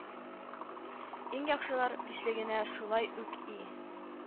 Иң яхшылар бишлегенә шулай ук И